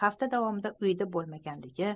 hafta davomida uyda bo'lmaganligi